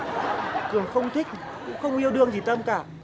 cường không thích cũng không yêu đương gì tâm cả